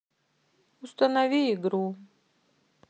установи игру